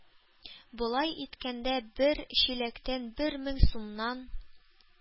Болай иткәндә, бер чиләктән бер мең сумнан